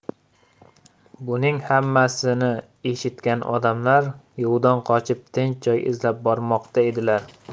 buning hammasini eshitgan odamlar yovdan qochib tinch joy izlab bormoqda edilar